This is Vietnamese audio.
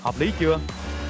hợp lý chưa